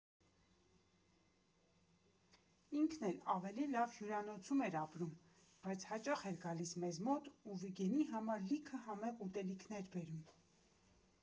Ինքն էլ ավելի լավ հյուրանոցում էր ապրում, բայց հաճախ էր գալիս մեզ մոտ ու Վիգենի համար լիքը համեղ ուտելիքներ բերում։